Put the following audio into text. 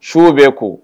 Su bɛ ko